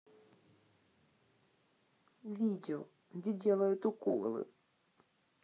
видео где делают уколы